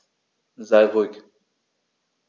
Sei ruhig.